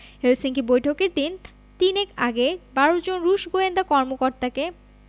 Helsinki বৈঠকের দিন তিনেক আগে ১২ জন রুশ গোয়েন্দা কর্মকর্তাকে